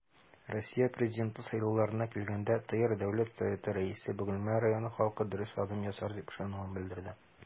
Россия Президенты сайлауларына килгәндә, ТР Дәүләт Советы Рәисе Бөгелмә районы халкы дөрес адым ясар дип ышануын белдерде.